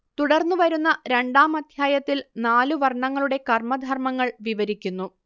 തുടർന്ന് വരുന്ന രണ്ടാം അധ്യായത്തിൽ നാലുവർണങ്ങളുടെ കർമധർമങ്ങൾ വിവരിക്കുന്നു